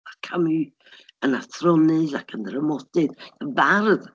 A Camus yn athronydd a dramodydd, bardd!